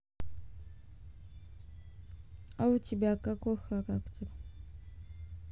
а у тебя какой характер